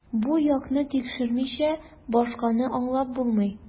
Бу якны тикшермичә, башканы аңлап булмый.